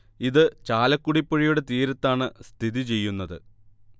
ഇത് ചാലക്കുടി പുഴയുടെ തീരത്താണ് സ്ഥിതിചെയ്യുന്നത്